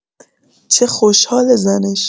چه خوشحاله زنش.